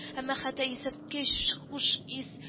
Әмма хәтта исерткеч хуш ис